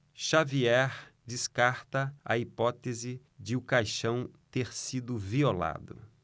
xavier descarta a hipótese de o caixão ter sido violado